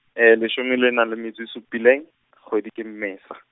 e leshome e naleng metso e supileng, kgwedi ke Mmesa.